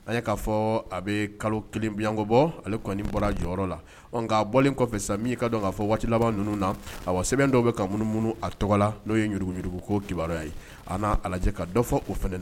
An ye k'a fɔ a bɛ kalo kelen biyanko bɔ ale kɔni bɔra jɔyɔrɔ la bɔ kɔfɛ min ka kaa fɔ waati laban ninnu na a wa sɛbɛn dɔw bɛ ka minnu minnuunu a tɔgɔ la n'o yeugu ko kibaruya ye a n'a lajɛ ka dɔ fɔ o fana na